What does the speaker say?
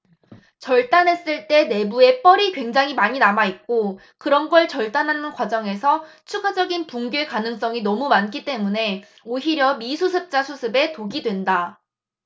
절단했을 때 내부에 뻘이 굉장히 많이 남아있고 그런 걸 절단하는 과정에서 추가적인 붕괴 가능성이 너무 많기 때문에 오히려 미수습자 수습에 독이 된다